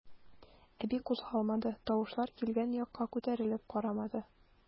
Әби кузгалмады, тавышлар килгән якка күтәрелеп карамады.